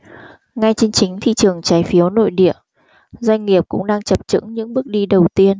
ngay trên chính thị trường trái phiếu nội địa doanh nghiệp cũng đang chập chững những bước đi đầu tiên